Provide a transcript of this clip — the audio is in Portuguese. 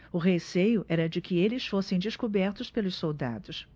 o receio era de que eles fossem descobertos pelos soldados